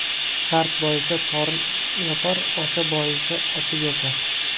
sart boyisa torn yopar osha boyisa ochib yopar